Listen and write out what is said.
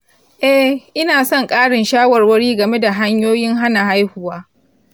eh, ina son ƙarin shawarwari game da hanyoyin hana haihuwa.